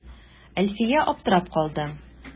Әлфия аптырап калды.